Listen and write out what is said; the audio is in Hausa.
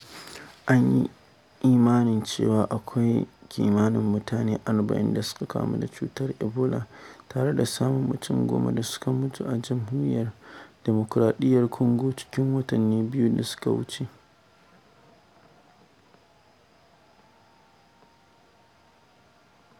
An yi imani cewa akwai kimanin mutane 40 da suka kamu da cutar ebola, tare da sama da mutum 10 da suka mutu a Jamhuriyar Dimokuraɗiyyar Congo cikin watanni biyu da suka gabata.